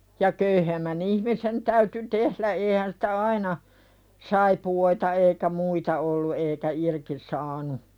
ja köyhemmän ihmisen täytyi tehdä eihän sitä aina saippuoita eikä muita ollut eikä irti saanut